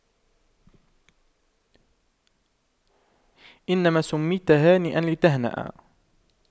إنما سُمِّيتَ هانئاً لتهنأ